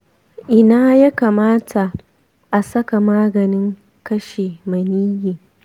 ina ya kamata a saka maganin kashe maniyyi?